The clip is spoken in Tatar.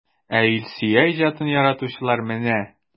Ә Илсөя иҗатын яратучылар менә!